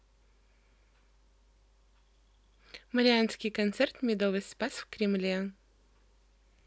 мариинский концерт медовый спас в кремле